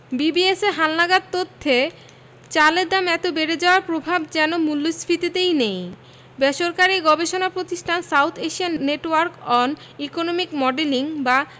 বিবিএসের হালনাগাদ তথ্যে চালের দাম এত বেড়ে যাওয়ার প্রভাব যেন মূল্যস্ফীতিতে নেই বেসরকারি গবেষণা প্রতিষ্ঠান South Asian Network on Economic Modelling বা